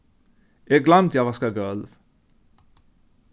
eg gloymdi at vaska gólv